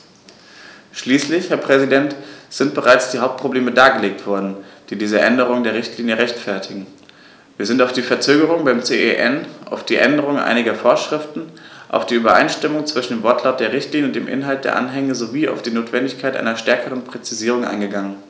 Schließlich, Herr Präsident, sind bereits die Hauptprobleme dargelegt worden, die diese Änderung der Richtlinie rechtfertigen, wir sind auf die Verzögerung beim CEN, auf die Änderung einiger Vorschriften, auf die Übereinstimmung zwischen dem Wortlaut der Richtlinie und dem Inhalt der Anhänge sowie auf die Notwendigkeit einer stärkeren Präzisierung eingegangen.